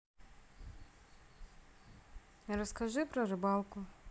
расскажи про рыбалку